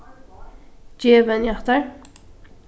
gev henni hatta